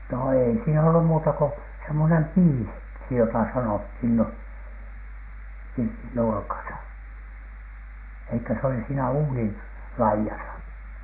no ei siinä ollut muuta kuin semmoinen - piisiksi jota sanottiin no pirtin nurkassa ei kun se oli siinä uunin laidassa